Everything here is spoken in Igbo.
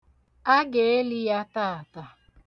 Aga-eli taata.